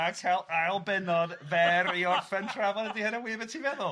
a ca'l ail bennod fer i orffen trafod ydy hynna wirion, be ti'n feddwl?